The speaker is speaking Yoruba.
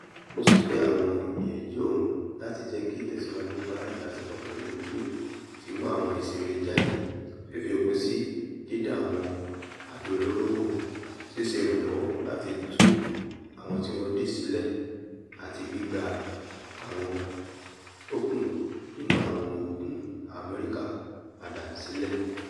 Ó sọ pé àwọn ìgbìyànjú òun láti jẹ́kí ìtẹ̀síwájú bá ìbáṣepọ̀ pẹ̀lú Kim ti mú àwọn èsì rere jáde - fífi òpin sí dídán àwọn àdó olóró wò, ṣíṣe ìrànwọ́ láti tú àwọn ti wọn ̀dè sílẹ̀ àti gbígba àwọn tókù nínú àwọn ọmọ ogun Amẹrika padà sílé.